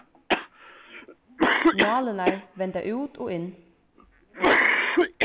nálirnar venda út og inn